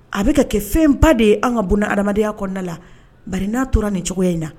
A bi ka kɛ fɛn ba de ye an ka buna adamadenya kɔnɔna la. Bari na tora nin cogoya in na.